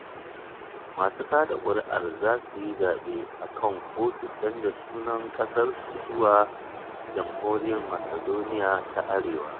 Masu kada kuri’a za su yi zaɓe a kan ko su canza sunan kasarsu zuwa “Jamhuriyyar Macedonia ta Arewa.”